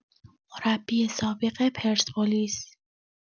مربی سابق پرسپولیس